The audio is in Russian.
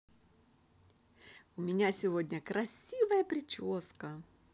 у меня сегодня красивая прическа